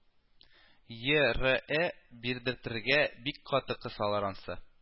ЕРЭ бирдертергә бик каты кысалар ансы